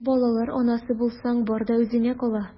Балалар анасы булсаң, бар да үзеңә кала...